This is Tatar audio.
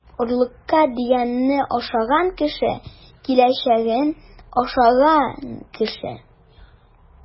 Орлыкка дигәнне ашаган кеше - киләчәген ашаган кеше.